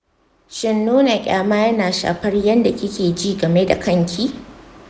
shin nuna ƙyama yana shafar yanda kike ji game da kanki?